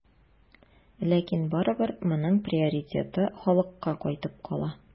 Ләкин барыбер моның приоритеты халыкка кайтып кала.